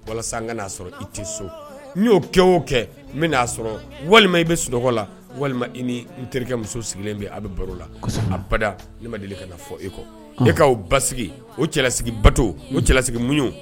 Walasa an kan'a sɔrɔ i tɛ so, n'i y'o kɛ o kɛ n bɛna'a sɔrɔ walima i bɛ soɔgɔ la walima i ni n terikɛ muso sigilen bɛ a bɛ baro la abda, ne ma deli ka na fɔ e kɔ, e ka o basigi, o cɛla sigi bato , cɛlasigi muɲun